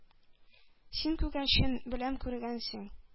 — син, күгәрчен, беләм, күргәнсең,